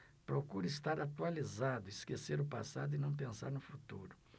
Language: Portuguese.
procuro estar atualizado esquecer o passado e não pensar no futuro